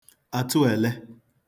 àtụèle